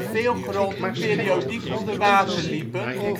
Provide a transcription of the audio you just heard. veel gronden periodiek onder water liepen